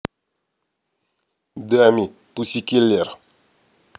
dami pussykiller